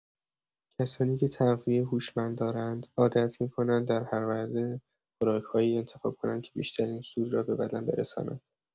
کسانی که تغذیه هوشمند دارند، عادت می‌کنند در هر وعده، خوراک‌هایی انتخاب کنند که بیشترین سود را به بدن برساند.